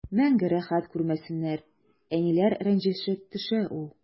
Мәңге рәхәт күрмәсеннәр, әниләр рәнҗеше төшә ул.